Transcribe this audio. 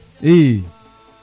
i